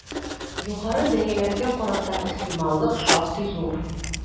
Югары бәяләргә карата ихтималлык шактый зур.